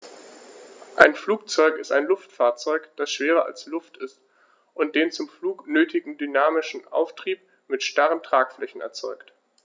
Ein Flugzeug ist ein Luftfahrzeug, das schwerer als Luft ist und den zum Flug nötigen dynamischen Auftrieb mit starren Tragflächen erzeugt.